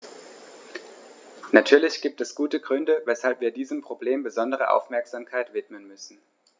Natürlich gibt es gute Gründe, weshalb wir diesem Problem besondere Aufmerksamkeit widmen müssen.